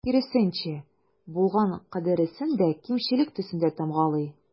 Киресенчә, булган кадәресен дә кимчелек төсендә тамгалый.